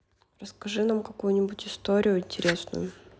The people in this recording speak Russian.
расскажи нам какую нибудь историю интересную